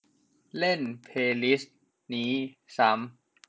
เล่นเพลย์ลิสนี้ซ้ำ